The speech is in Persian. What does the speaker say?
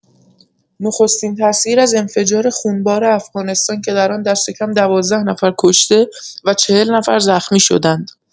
نخستین تصویر از انفجار خونبار افغانستان که در آن دست‌کم ۱۲ نفر کشته و ۴۰ نفر زخمی شدند.